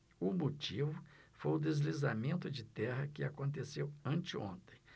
o motivo foi o deslizamento de terra que aconteceu anteontem